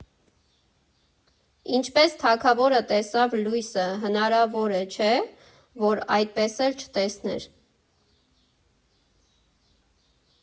Ինչպե՞ս թագավորը տեսավ լույսը, հնարավոր է, չէ՞, որ այդպես էլ չտեսներ։